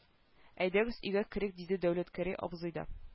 Әйдәгез өйгә керик диде дәүләтгәрәй абзый да